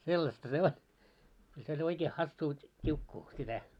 sellaista se on kyllä se oli oikein hassua tiukkua sitä